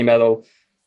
oni'n meddwl